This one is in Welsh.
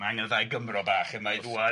Ma' angen y ddau Gymro bach yma i